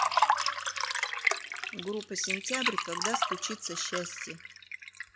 группа сентябрь когда стучится счастье